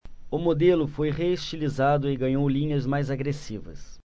o modelo foi reestilizado e ganhou linhas mais agressivas